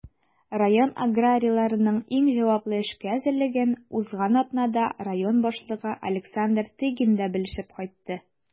Район аграрийларының иң җаваплы эшкә әзерлеген узган атнада район башлыгы Александр Тыгин да белешеп кайтты.